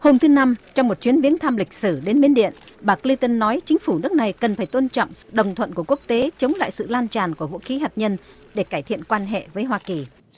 hôm thứ năm trong một chuyến viếng thăm lịch sử đến miến điện bà cờ lin tơn nói chính phủ nước này cần phải tôn trọng sự đồng thuận của quốc tế chống lại sự lan tràn của vũ khí hạt nhân để cải thiện quan hệ với hoa kỳ